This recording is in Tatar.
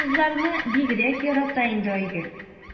Казларны бигрәк ярата инде Айгөл.